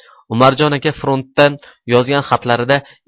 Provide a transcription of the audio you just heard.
umarjon aka frontdan yozgan xatlarida